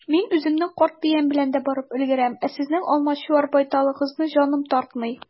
Мин үземнең карт биям белән дә барып өлгерәм, ә сезнең алмачуар байталыгызны җаным тартмый.